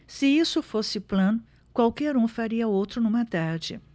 se isso fosse plano qualquer um faria outro numa tarde